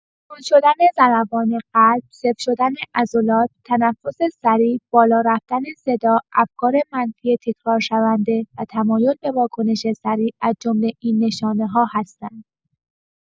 تند شدن ضربان قلب، سفت شدن عضلات، تنفس سریع، بالا رفتن صدا، افکار منفی تکرارشونده و تمایل به واکنش سریع از جمله این نشانه‌ها هستند.